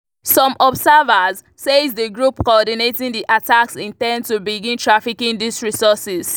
Some observers say the group coordinating the attacks intends to begin trafficking these resources.